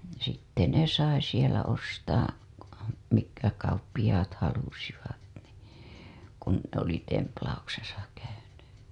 sitten ne sai siellä ostaa mitkä kauppiaat halusivat niin kun oli templauksessa käynyt